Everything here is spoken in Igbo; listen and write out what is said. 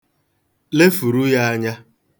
Lefuru ya anya.